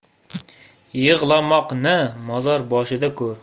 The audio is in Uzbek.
yig'lamoqni mozor boshida ko'r